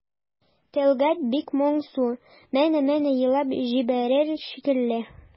Тәлгать бик моңсу, менә-менә елап җибәрер шикелле.